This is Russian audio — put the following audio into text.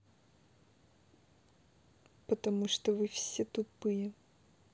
потому что вы все тупые